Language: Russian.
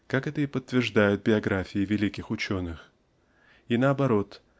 как это и подтверждают биографии великих ученых. И наоборот